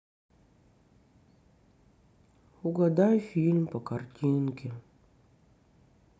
угадай фильм по картинке